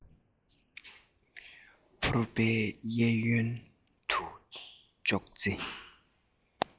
ཕོར པའི གཡས གཡོན དུ ཙོག སྟེ